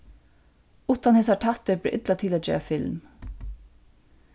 uttan hesar tættir ber illa til at gera film